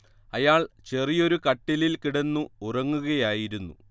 അയാൾ ചെറിയൊരു കട്ടിലിൽ കിടന്നു ഉറങ്ങുകയായിരുന്നു